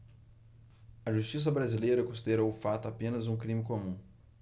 a justiça brasileira considerou o fato apenas um crime comum